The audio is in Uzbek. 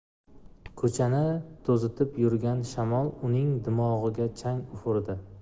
ko'chani tuzitib yurgan shamol uning dimog'iga chang ufurdi